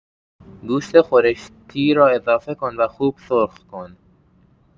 گوشت خورشتی را اضافه کن و خوب سرخ‌کن.